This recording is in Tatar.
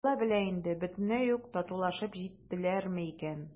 «алла белә инде, бөтенләй үк татулашып җиттеләрме икән?»